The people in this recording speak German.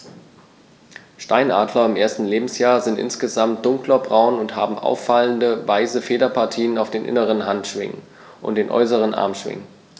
Steinadler im ersten Lebensjahr sind insgesamt dunkler braun und haben auffallende, weiße Federpartien auf den inneren Handschwingen und den äußeren Armschwingen.